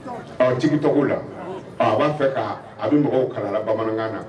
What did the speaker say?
Awɔ Tik-Tok la aa b'a fɛ kaa a be mɔgɔw kalan a la bamanankan na